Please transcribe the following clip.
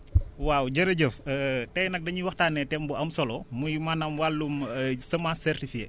waaw jërëjëf tey nag dañuy waxtaanee thème bu am solo muy maanaam wàllum semence certifiée